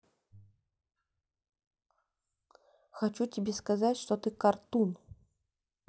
хочу тебе сказать что ты cartoon